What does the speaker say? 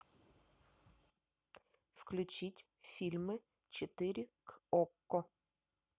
включить фильмы четыре к окко